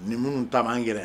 Ni minnu ta man gɛlɛ!